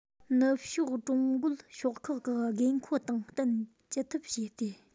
ནུབ ཕྱོགས ཀྲུང རྒོལ ཕྱོགས ཁག གི དགོས མཁོ དང བསྟུན ཅི ཐུབ བྱེད སྟེ